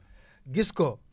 gis ko